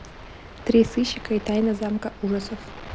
три сыщика и тайна замка ужасов